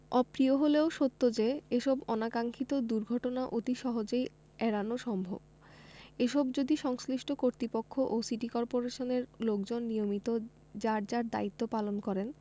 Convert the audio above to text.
অপ্রিয় হলেও সত্ত্বেও যে এসব অনাকাক্সিক্ষত দুর্ঘটনা অতি সহজেই এড়ানো সম্ভব অবশ্য যদি সংশ্লিষ্ট কর্তৃপক্ষ ও সিটি কর্পোরেশনের লোকজন নিয়মিত যার যার দায়িত্ব পালন করেন